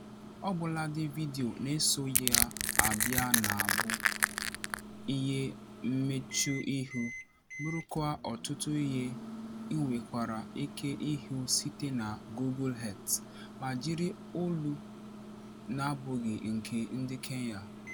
Ọbụladị vidiyo na-eso ya abịa na-abụ ihe mmechuihu: bụrụkwa ọtụtụ ihe i nwekwara ike ịhụ site na Google Earth, ma jiri olu na-abụghị nke ndị Kenya.